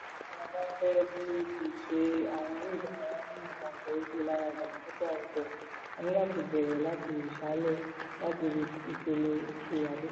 Tí a bá fẹ́ dìídì ṣe àwọn eré ìdárayá ní ọ̀kan gbòógì lára ìdàgbàsókè àwùjọ, a ní láti bẹ̀rẹ̀ láti ìsàlẹ̀, láti ibi ìpele ti àdúgbò.